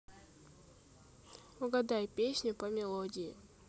угадай песню по мелодии